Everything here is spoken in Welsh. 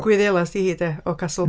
Gwyddelas ydy hi de o Castle...